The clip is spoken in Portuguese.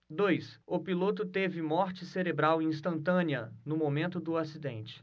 dois o piloto teve morte cerebral instantânea no momento do acidente